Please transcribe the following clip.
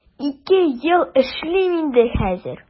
Ике ел эшлим инде хәзер.